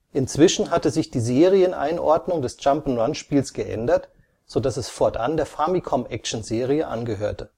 Inzwischen hatte sich die Serieneinordnung des Jump -’ n’ - Run-Spiels geändert, sodass es fortan der Famicom-Action-Serie angehörte